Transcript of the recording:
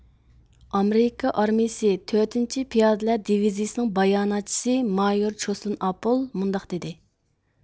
ئامېرىكا ئارمىيىسى تۆتىنچى پىيادىلەر دىۋىزىيىسىنىڭ باياناتچىسى مايور چوسلىن ئاپول مۇنداق دېدى